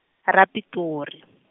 ra Pitori.